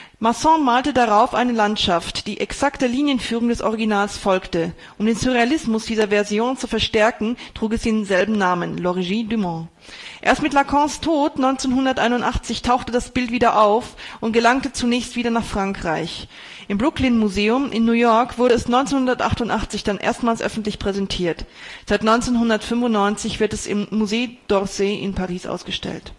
Masson malte daraufhin eine Landschaft, die exakt der Linienführung des Originals folgte. Um den Surrealismus dieser Version zu verstärken, trug es denselben Namen („ L’ Origine du monde “). Erst mit Lacans Tod 1981 tauchte das Bild wieder auf und gelangte zunächst wieder nach Frankreich. Im Brooklyn-Museum in New York wurde es 1988 dann erstmals öffentlich präsentiert. Seit 1995 wird es im Musée d'Orsay in Paris ausgestellt